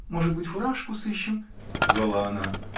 Может быть, фуражку сыщем, — звала она.